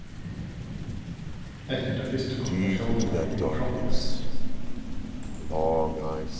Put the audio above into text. eftir ta fyrstu konfirmatiónina eri eg proppmett